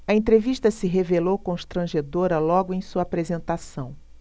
a entrevista se revelou constrangedora logo em sua apresentação